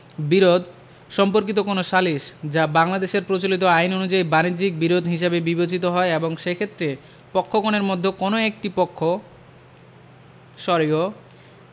বিরোধ সম্পর্কিত কোন সালিস যাহা বাংলাদেশের প্রচলিত আইন অনুযায়ী বাণিজ্যিক বিরোধ হিসাবে বিবেচিত হয় এবং সেক্ষেত্রে পক্ষগণের মধ্যে কোন একটি পক্ষ অ